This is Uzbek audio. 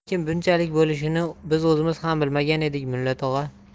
lekin munchalik bo'lishini biz o'zimiz ham bilmagan edik mulla tog'a